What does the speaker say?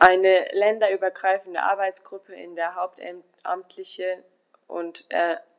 Eine länderübergreifende Arbeitsgruppe, in der hauptamtliche und